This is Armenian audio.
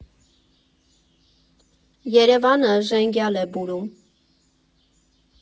Երևանը ժենգյալ է բուրում։